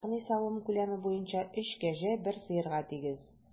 Ягъни савым күләме буенча өч кәҗә бер сыерга тигез.